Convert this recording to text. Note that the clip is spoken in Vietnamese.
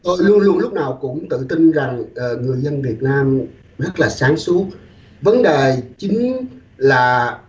tôi luôn luôn lúc nào cũng tự tin rằng ờ người dân việt nam rất là sáng suốt vấn đề chính là